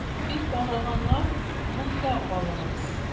Бик арыганнар, монда калыгыз.